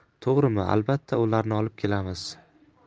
ku to'g'rimi albatta ularni olib kelamiz